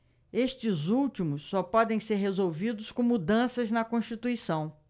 estes últimos só podem ser resolvidos com mudanças na constituição